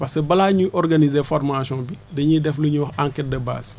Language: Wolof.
parce que balaa ñuy organiser formation bi dañuy def lu ñuy wax enquête de base